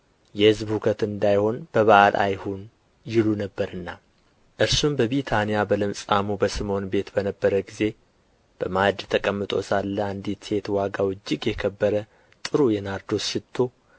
የሕዝብ ሁከት እንዳይሆን በበዓል አይሁን ይሉ ነበርና እርሱም በቢታንያ በለምጻሙ በስምዖን ቤት በነበረ ጊዜ በማዕድ ተቀምጦ ሳለ አንዲት ሴት ዋጋው እጅግ የከበረ ጥሩ ናርዶስ ሽቱ